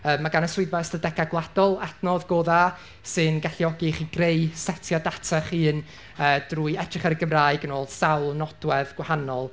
yy ma' gan y swyddfa ystadegau gwladol adnodd go dda sy'n galluogi i chi greu setiau data eich hun yy drwy edrych ar y Gymraeg yn ôl sawl nodwedd gwahanol.